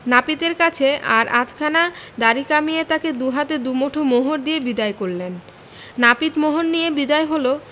নাপিতের কাছে আর আধখানা দাড়ি কামিয়ে তাকে দু হাতে দু মুঠো মোহর দিয়ে বিদায় করলেন নাপিত মোহর নিয়ে বিদায় হল